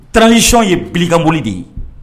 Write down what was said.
transition ye bili kan boli de ye!